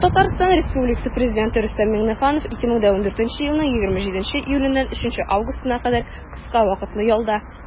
Татарстан Республикасы Президенты Рөстәм Миңнеханов 2014 елның 27 июленнән 3 августына кадәр кыска вакытлы ялда.